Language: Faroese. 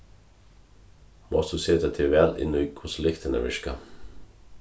mást tú seta teg væl inn í hvussu lyktirnar virka